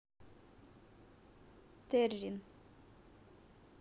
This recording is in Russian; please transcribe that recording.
террин